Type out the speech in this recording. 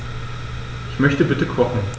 Ich möchte bitte kochen.